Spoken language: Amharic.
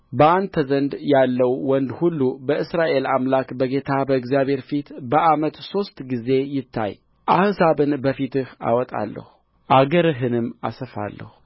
በአንተ ዘንድ ያለው ወንድ ሁሉ በእስራኤል አምላክ በጌታ በእግዚአብሔር ፊት በዓመት ሦስት ጊዜ ይታይ አሕዛብን ከፊትህ አወጣለሁ አገርህንም አሰፋለሁ